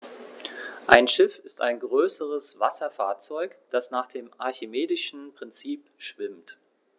Ein Schiff ist ein größeres Wasserfahrzeug, das nach dem archimedischen Prinzip schwimmt.